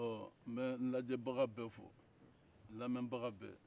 n bɛ n lajɛbaga bɛɛ fo n lamɛnbaga bɛɛ